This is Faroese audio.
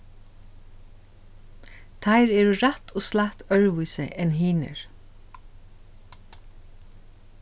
teir eru rætt og slætt øðrvísi enn hinir